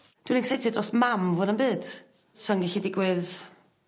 Dwi excited dros mam fwy na'm byd. Sa o'n gellu digwydd